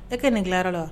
E ka nin dilanra la